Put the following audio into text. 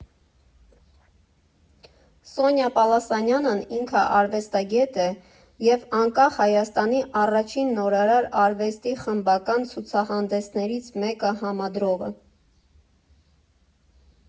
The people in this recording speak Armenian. Սոնյա Պալասանյանն ինքը արվեստագետ է և անկախ Հայաստանի առաջին նորարար արվեստի խմբական ցուցահանդեսներից մեկը համադրողը։